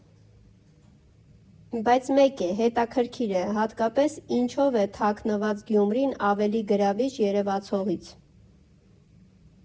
Բայց մեկ է՝ հետաքրքիր է՝ հատկապես ինչո՞վ է թաքնված Գյումրին ավելի գրավիչ երևացողից։